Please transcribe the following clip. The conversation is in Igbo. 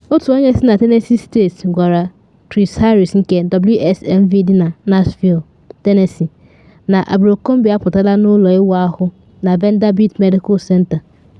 Otu onye ọrụ si na Tennessee State gwara Chris Harris nke WSMV dị na Nashville, Tennessee, na Abercrombie apụtala n’ụlọ ịwa ahụ na Vanderbilt Medical Center.